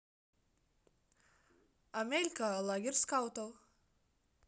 амелька лагерь скаутов